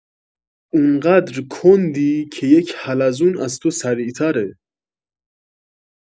اونقدر کندی که یک حلزون از تو سریعتره